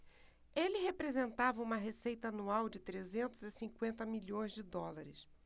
ele representava uma receita anual de trezentos e cinquenta milhões de dólares